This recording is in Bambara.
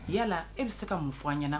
Yalala e bɛ se ka mun fɔ a ɲɛna